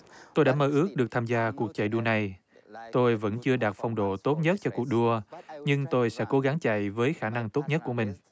tôi đã mơ ước được tham gia cuộc chạy đua này tôi vẫn chưa đạt phong độ tốt nhất cho cuộc đua nhưng tôi sẽ cố gắng chạy với khả năng tốt nhất của mình